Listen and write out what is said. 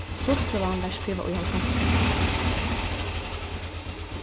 stuttsøgan varð skrivað í hálvfemsunum